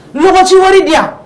Mɔgɔ ci wari diya yan